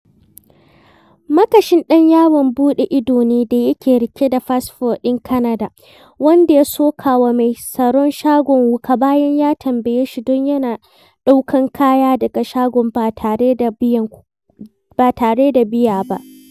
Makashin ɗan yawon buɗe ido ne da yake riƙe da fasfo ɗin Kanada, wanda ya soka wa mai tsaron shagon wuƙa bayan ya tambaye shi don yana ɗaukan kaya daga shagon ba tare da biya ba.